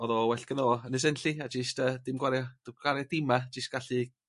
odd o well gynno fo Ynys Enlli a jyst yy dim gwario d- gwario dima jyst gallu